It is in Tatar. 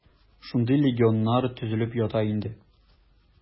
Шундый легионнар төзелеп ята инде.